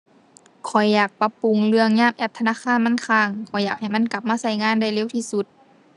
ข้อยอยากปรับปรุงเรื่องยามแอปธนาคารมันค้าง ข้อยอยากให้มันกลับมาใช้งานได้เร็วที่สุด